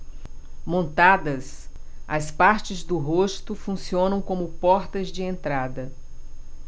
montadas as partes do rosto funcionam como portas de entrada